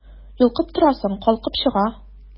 Йолкып торасың, калкып чыга...